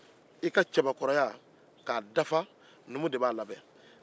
k'i ka cɛbakɔrɔya dafa numu de b'a labɛn